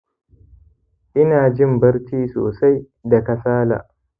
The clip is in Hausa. inajin barci sosai da kasala